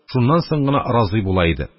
Шуннан соң гына разый була иде.